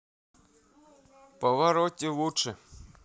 pavarotti лучшее